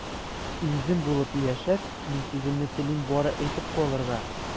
Үзем булып яшәп, мин сүземне телим бары әйтеп калырга...